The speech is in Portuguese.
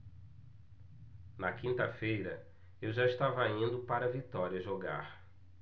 na quinta-feira eu já estava indo para vitória jogar